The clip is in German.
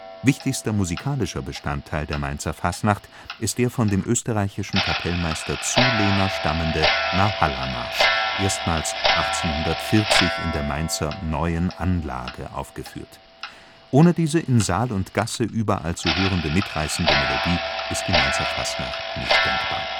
Wichtigster musikalischer Bestandteil der Mainzer Fastnacht ist der von dem österreichischen Kapellmeister Zulehner stammende „ Narrhallamarsch “, erstmals 1840 in der Mainzer „ Neuen Anlage “aufgeführt (Quelle: s. „ Rheinland “v. 1840). Ohne diese in Saal und Gasse überall zu hörende mitreißende Melodie ist die Mainzer Fastnacht nicht denkbar